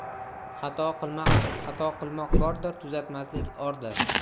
xato qilmoq bordir tuzatmaslik ordir